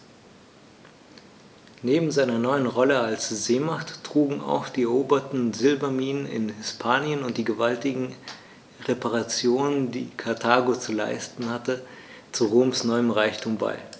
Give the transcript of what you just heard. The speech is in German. Neben seiner neuen Rolle als Seemacht trugen auch die eroberten Silberminen in Hispanien und die gewaltigen Reparationen, die Karthago zu leisten hatte, zu Roms neuem Reichtum bei.